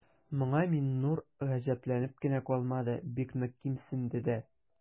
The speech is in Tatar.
Моңа Миңнур гаҗәпләнеп кенә калмады, бик нык кимсенде дә.